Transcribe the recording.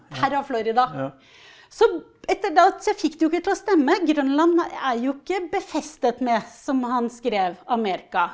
Terra Florida, så etter da, så jeg fikk det jo ikke til å stemme, Grønland er jo ikke befestet med, som han skrev, Amerika.